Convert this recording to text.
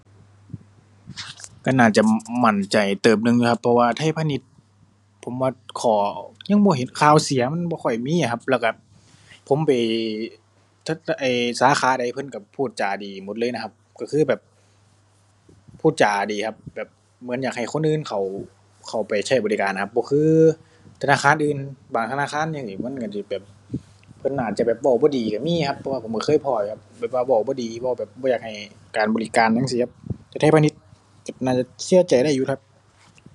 ก็น่าจะมั่นใจเติบหนึ่งอยู่ครับ เพราะว่าไทยพาณิชย์ ผมว่าข้อ ยังบ่เห็นข่าวเสีย มันบ่ค่อยมีอะครับ แล้วก็ผมไป ไอ้ สาขาใดเพิ่นก็พูดจาดีหมดเลยนะครับ ก็คือแบบพูดจาดีครับ แบบเหมือนอยากให้คนอื่นเข้า เข้าไปใช้บริการน่ะครับ บ่คือธนาคารอื่น บางธนาคารเดี๋ยวนี้มันก็สิแบบ เพิ่นน่าจะแบบเว้าบ่ดีก็มีครับ เพราะว่าผมก็เคยพ้ออยู่ครับ แบบว่าเว้าบ่ดี เว้าแบบบ่อยากให้การบริการจั่งซี้ครับ แต่ไทยพาณิชย์ น่าจะก็ใจได้อยู่ครับ